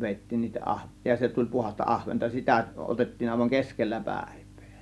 vedettiin niitä - ja se tuli puhdasta ahventa sitä otettiin aivan keskellä päivää